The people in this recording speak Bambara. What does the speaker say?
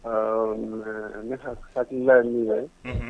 Ɔ mais ne hakili' minɛ